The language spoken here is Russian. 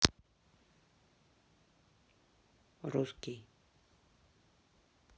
русский